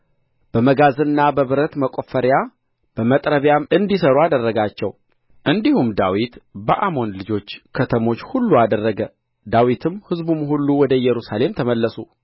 በመጋዝና በብረት መቈፈሪያ በመጥረቢያም እንዲሠሩ አደረጋቸው እንዲሁም ዳዊት በአሞን ልጆች ከተሞች ሁሉ አደረገ ዳዊትም ሕዝቡም ሁሉ ወደ ኢየሩሳሌም ተመለሱ